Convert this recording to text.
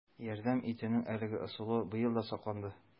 Ярдәм итүнең әлеге ысулы быел да сакланды: